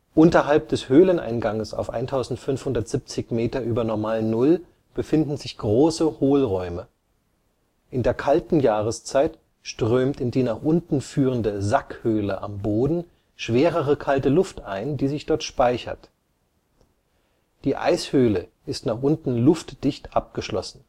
Unterhalb des Höhleneinganges auf 1570 Meter über Normalnull befinden sich große Hohlräume. In der kalten Jahreszeit strömt in die nach unten führende Sackhöhle am Boden schwerere kalte Luft ein, die sich dort speichert. Die Eishöhle ist nach unten luftdicht abgeschlossen